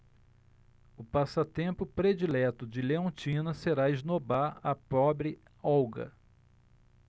o passatempo predileto de leontina será esnobar a pobre olga